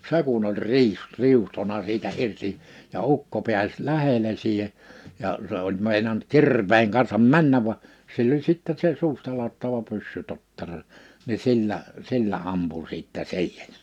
se kun oli - riuhtonut siitä irti ja ukko pääsi lähelle siihen ja se oli meinannut kirveen kanssa mennä vaan sillä oli sitten se suustaladattava pyssytottero niin sillä sillä ampui sitten siihen